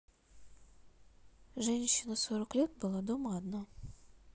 женщина сорок лет была дома одна